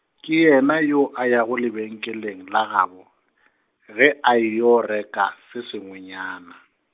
ke yena yoo a yago lebenkeleng la gabo, ge a yeo reka se sengwenyana.